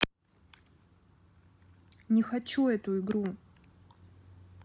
не хочу эту игру